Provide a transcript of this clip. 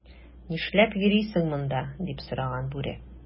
"нишләп йөрисең монда,” - дип сораган бүре.